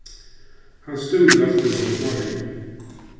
hann stúrir altíð fyri sovorðnum smátingum